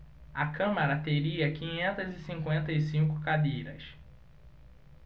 a câmara teria quinhentas e cinquenta e cinco cadeiras